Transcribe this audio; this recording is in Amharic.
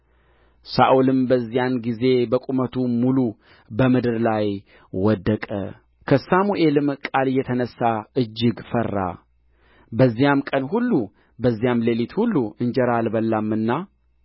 ሳኦልም በዚያን ጊዜ በቁመቱ ሙሉ በምድር ላይ ወደቀ ከሳሙኤልም ቃል የተነሣ እጅግ ፈራ በዚያም ቀን ሁሉ በዚያም ሌሊት ሁሉ እንጀራ አልበላምና